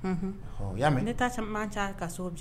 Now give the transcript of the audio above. Unhun o y yaa mɛ ne taa se man ca ka so bi